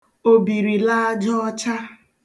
òbìrìlaajaọcha